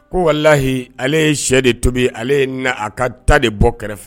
Ko walahi ale ye shɛ de tobi ale ye na a ka ta de bɔ kɛrɛfɛ